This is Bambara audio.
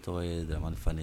Tɔgɔ ye da fa ye